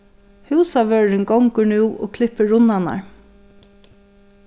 húsavørðurin gongur nú og klippir runnarnar